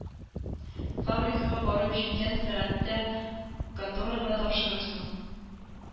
Фабрикага барып җиткән сәгатьтә конторага тапшырырсың.